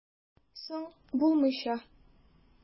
Соң, булмыйча!